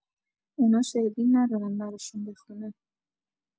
اونا شروین ندارن براشون بخونه